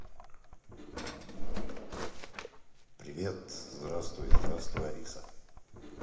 привет здравствуй здравствуй алиса